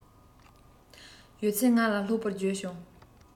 ཡོད ཚད ང ལ ལྷུག པོར བརྗོད བྱུང